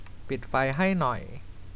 ปิดไฟให้หน่อย